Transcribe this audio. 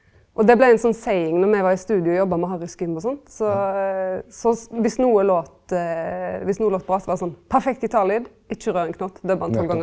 og det blei ein sånn saying når me var i studio og jobba med Harrys Gym og sånn så så viss noko lét viss noko lét bra så var det sånn, perfekt gitarlyd, ikkje rør ein knott, dubb han tolv gonger!